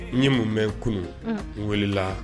Ne ye mun bɛ kunun wulila la